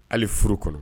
Hali furu kɔnɔ